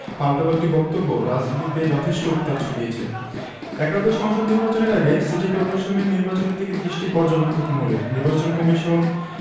পাল্টাপাল্টি বক্তব্য রাজনীতিতে যথেষ্ট উত্তাপ ছড়িয়েছে একাদশ সংসদ নির্বাচনের আগে সিটি করপোরেশন নির্বাচনের দিকে দৃষ্টি পর্যবেক্ষক মহলের নির্বাচন কমিশন